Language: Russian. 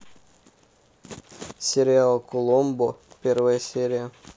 сериал коломбо первая серия